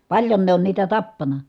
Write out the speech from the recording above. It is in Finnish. paljon ne on niitä tappanut